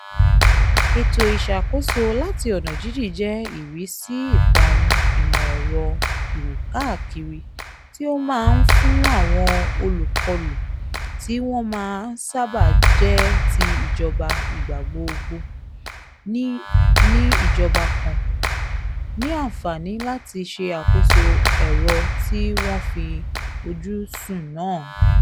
Ètò ìṣàkóso láti ọ̀nà jíjìn jẹ́ ìrísí ìparun ìmọ̀-ẹ̀rọ ìwòkáàkiri tí ó máa ń fún àwọn olùkọlù, tí wọ́n máa ń sábà jẹ́ ti ìjọba igbagbogbo ni ijọba kan, ní àǹfààní láti ṣe àkóso ẹ̀rọ tí wọ́n fi ojú sùn náà.